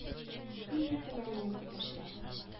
Ил битемә минем төкерсә?!